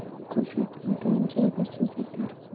ko'z yetmagan joyga so'z yetar